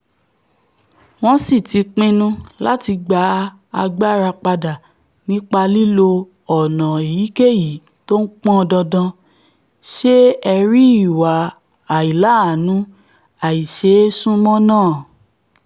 Wọ́n sì ̈ti pinnu láti gba agbára padà nípa lílo ọ̀nà èyíkéyìí tó pọn dandan, sé ẹ rí ìwà aìláàánu, àiṣ̵̵eésúnmọ náà.